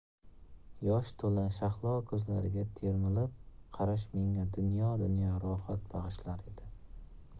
yosh to'la shahlo ko'zlariga termilib qarash menga dunyo dunyo rohat bag'ishlar edi